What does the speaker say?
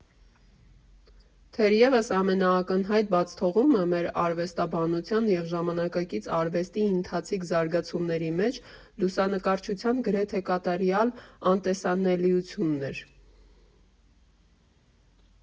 Թերևս ամենակնհայտ բացթողումը մեր արվեստաբանության և ժամանակակից արվեստի ընթացիկ զարգացումների մեջ լուսանկարչության՝ գրեթե կատարյալ անտեսանելիությունն էր։